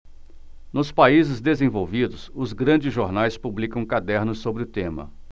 nos países desenvolvidos os grandes jornais publicam cadernos sobre o tema